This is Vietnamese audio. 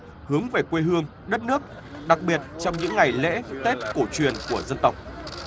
hướng về quê hương đất nước đặc biệt trong những ngày lễ tết cổ truyền của dân tộc